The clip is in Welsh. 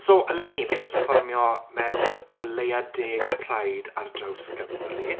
So, eleni, fi eisiau pefformio mewn o leia deg Pride ar draws Gymru.